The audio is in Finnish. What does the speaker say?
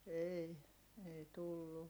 ei ei tullut